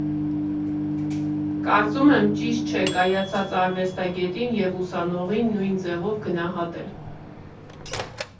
Կարծում եմ՝ ճիշտ չէ կայացած արվեստագետին և ուսանողին նույն ձևով գնահատել։